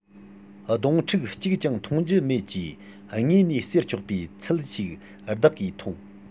སྡོང ཕྲུག གཅིག ཀྱང མཐོང རྒྱུ མེད ཅེས དངོས གནས ཟེར ཆོག པའི ཚུལ ཞིག བདག གིས མཐོང